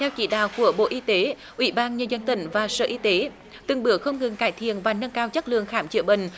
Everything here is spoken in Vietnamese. theo chỉ đạo của bộ y tế ủy ban nhân dân tỉnh và sở y tế từng bước không ngừng cải thiện và nâng cao chất lượng khám chữa bệnh